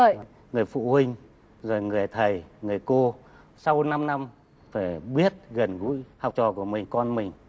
người phụ huynh giỏi người thầy người cô sau năm năm vẻ biết gần gũi học trò của mình con mình